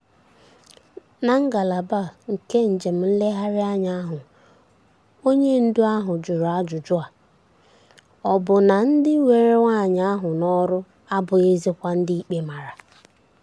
Na ngalaba a nke njem nlegharị anya ahụ, onye ndu ahụ jụrụ ajụjụ a: ọ bụ na ndị were nwaanyị ahụ n'ọrụ abụghịkwazị ndị ikpe mara?